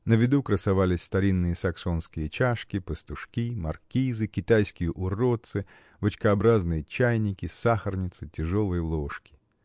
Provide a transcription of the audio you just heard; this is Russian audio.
На виду красовались старинные саксонские чашки, пастушки, маркизы, китайские уродцы, бочкообразные чайники, сахарницы, тяжелые ложки.